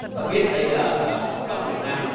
chúng ta biết đây ờ cộng đồng việt nam